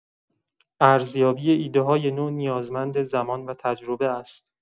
ارزیابی ایده‌های نو نیازمند زمان و تجربه است.